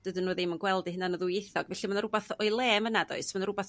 dydyn n'w ddim yn gweld i huna'n yn ddwyieithog felly ma' 'na r'wbath o'i le yn fana does? Ma' 'na r'wbath